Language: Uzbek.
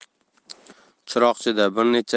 chiroqchida bir necha